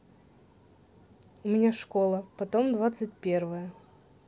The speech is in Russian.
у меня школа потом двадцать первая